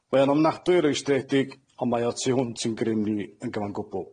Mae o'n ofnadwy o rwystredig, ond mae o tu hwnt i'n grym ni yn gyfan gwbwl.